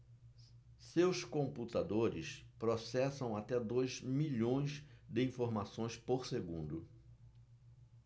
seus computadores processam até dois milhões de informações por segundo